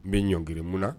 N bɛ ɲɔnkirin munna